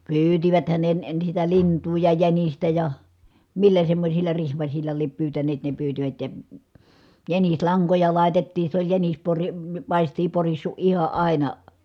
pyysiväthän ne ne sitä lintua ja jänistä ja millä semmoisilla rihmasilla lie pyytäneet ne pyysivät ja jänislankoja laitettiin se oli jänis - paistia porissut ihan aina